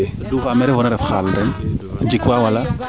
duufa me refoona xaal jik wa wala